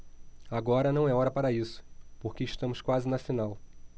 agora não é hora para isso porque estamos quase na final